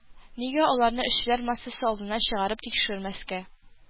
Нигә аларны эшчеләр массасы алдына чыгарып тикшермәскә